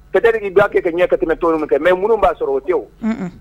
Peut-être que dɔ y'a kɛ ten ɲɛfɛ mais minnu b'a sɔrɔ o tɛ yen o. Un un.